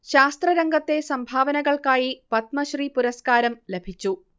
ശാസ്ത്ര രംഗത്തെ സംഭാവനകൾക്കായി പത്മശ്രീ പുരസ്കാരം ലഭിച്ചു